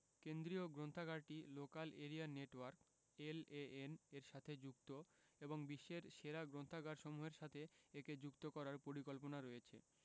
কেন্দ্রীয় গ্রন্থাগারটি local area network LAN এর সাথে যুক্ত এবং বিশ্বের সেরা গ্রন্থাগারসমূহের সাথে একে যুক্ত করার পরিকল্পনা রয়েছে